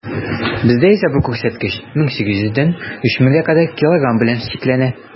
Бездә исә бу күрсәткеч 1800 - 3000 килограмм белән чикләнә.